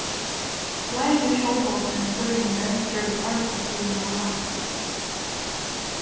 fleiri sjálvbodnir føroyingar gjørdu arbeiðsbyrðuna lættari